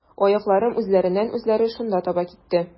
Аякларым үзләреннән-үзләре шунда таба китте.